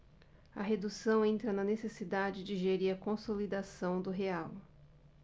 a redução entra na necessidade de gerir a consolidação do real